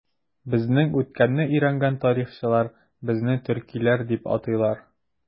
Безнең үткәнне өйрәнгән тарихчылар безне төркиләр дип атыйлар.